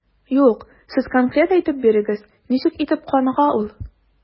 Юк, сез конкрет әйтеп бирегез, ничек итеп каныга ул?